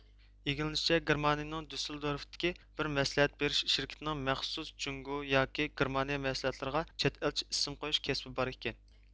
ئىگىلىنىشىچە گېرمانىيىنىڭ دۈسسېلدورفتىكى بىر مەسلىھەت بېرىش شىركىتىنىڭ مەخسۇس جۇڭگو ياكى گېرمانىيە مەھسۇلاتلىرىغا چەت ئەلچە ئىسىم قويۇش كەسپى بار ئىكەن